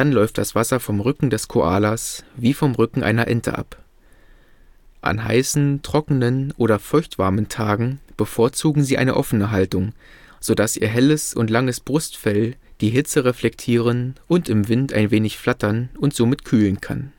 läuft das Wasser vom Rücken des Koalas wie vom Rücken einer Ente ab. An heißen, trockenen oder feuchtwarmen Tagen bevorzugen sie eine offene Haltung, so dass ihr helles und langes Brustfell die Hitze reflektieren und im Wind ein wenig flattern und somit kühlen kann